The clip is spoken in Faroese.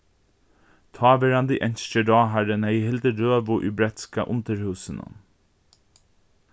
táverandi enski ráðharrin hevði hildið røðu í bretska undirhúsinum